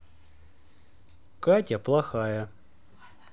катя плохая